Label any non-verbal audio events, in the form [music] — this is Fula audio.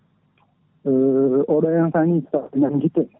[hesitation] oɗo instant ni taw *